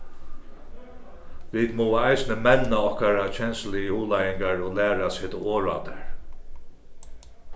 vit mugu eisini menna okkara kensluligu hugleiðingar og læra at seta orð á tær